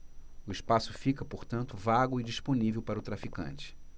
o espaço fica portanto vago e disponível para o traficante